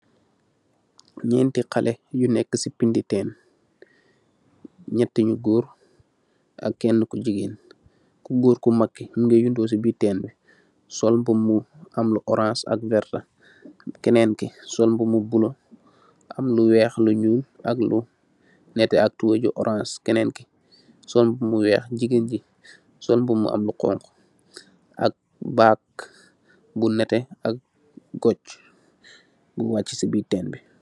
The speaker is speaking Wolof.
Nyenti xale yu nekk si pindi tenn. Nyett nyu goor ak kenn ku jigéen. Ku goor ku makki munge yurdo ci biir tenbi. Sol mbub mu orange am lu verta, Kennen ki sol mbub mu bula am lu weex , lu nyul, ak lu nette ak tuboy ju orange. Kennen ki sol mbub mu weex, jigéen ji sol mbub mu am lu xonxu, ak bag bu nete ak goj, buy wachi ci biir tenbi.